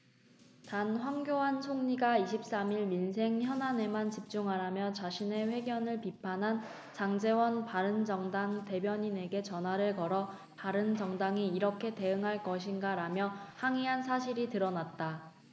단 황교안 총리가 이십 삼 일 민생 현안에만 집중하라며 자신의 회견을 비판한 장제원 바른정당 대변인에게 전화를 걸어 바른정당이 이렇게 대응할 것인가라며 항의한 사실이 드러났다